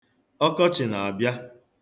Ọkọchị na-abịa.